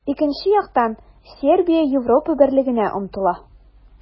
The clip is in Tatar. Икенче яктан, Сербия Европа Берлегенә омтыла.